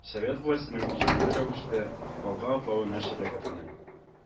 Совет властеның җиңүле рәвештә алга атлавы нәрсәдә күренә